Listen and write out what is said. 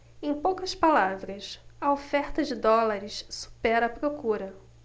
em poucas palavras a oferta de dólares supera a procura